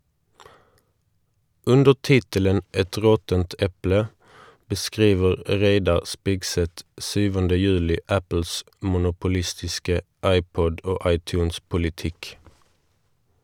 Under tittelen «Et råttent eple» beskriver Reidar Spigseth 7. juli Apples monopolistiske iPod- og iTunes-politikk.